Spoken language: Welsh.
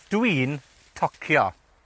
Dwi'n tocio.